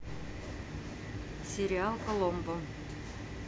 сериал коломбо